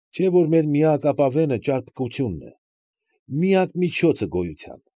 Չէ որ մեր միակ ապավենը ճարպկությունն է։ Միակ միջոցը գոյության։